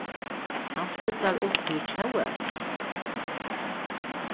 hann stillar upp fyri tjóðveldi